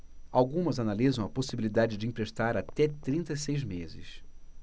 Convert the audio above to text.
algumas analisam a possibilidade de emprestar até trinta e seis meses